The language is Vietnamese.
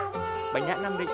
bánh nhãn nam định